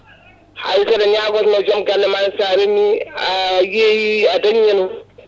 hay saɗa ñagotono joom galle ma sa reemi a yeeyi a dañi hen hunde